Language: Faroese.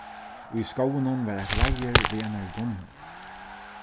í skóginum var eitt reiður við einari dunnu